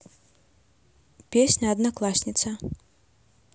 песня одноклассница